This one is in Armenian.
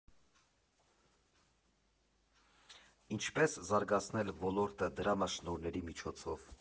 Ինչպե՞ս զարգացնել ոլորտը դրամաշնորհների միջոցով.